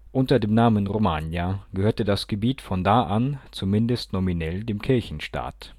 Unter dem Namen Romagna gehörte das Gebiet von da an zumindest nominell dem Kirchenstaat